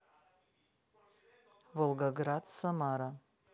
волгоград самара